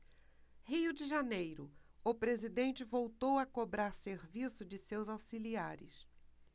rio de janeiro o presidente voltou a cobrar serviço de seus auxiliares